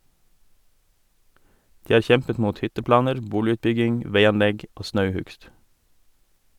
De har kjempet mot hytteplaner, boligutbygging, veianlegg og snauhugst.